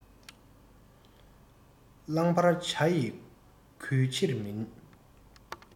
བླང བར བྱ ཡི གུས ཕྱིར མིན